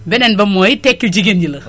benneen ba mooy tekkil jigéen ñi la